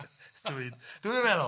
Dwi, dwi'n dwi'm n meddwl.